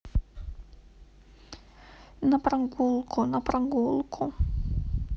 на прогулку на прогулку